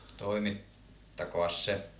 toimittakaapas se